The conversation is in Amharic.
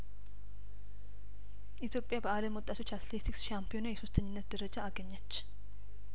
ኢትዮጵያ በአለም ወጣቶች አትሌቲክስ ሻምፒዮና የሶስተኝነት ደርጃ አገኘች